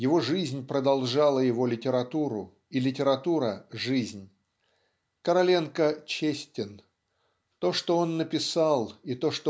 Его жизнь продолжала его литературу, и литература - жизнь. Короленко честен. То что он написал и то